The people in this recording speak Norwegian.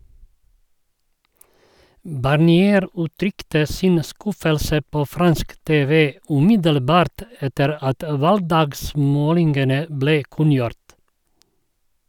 Barnier uttrykte sin skuffelse på fransk TV umiddelbart etter at valgdagsmålingene ble kunngjort.